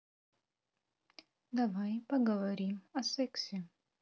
давай поговорим о сексе